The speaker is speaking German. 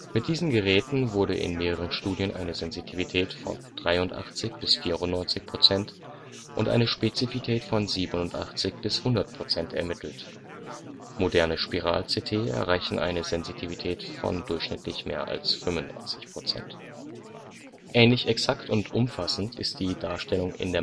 Mit diesen Geräten wurde in mehreren Studien eine Sensitivität von 83 – 94 % und eine Spezifität von 87 – 100 % ermittelt, moderne Spiral-CT erreichen eine Sensitivität von durchschnittlich mehr als 95 %. Ähnlich exakt und umfassend ist die Darstellung in